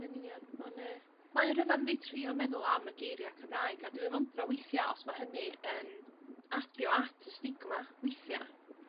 Yn union ma'n yy mae o'n rhyfed yndi trio meddwl am y geiria' Cymraeg a dwi yn wyndro weithia' os ma' hynny yn adio at y stigma weithia'... Hmm.